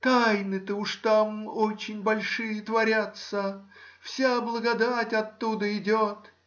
тайны-то уже там очень большие творятся — вся благодать оттуда идет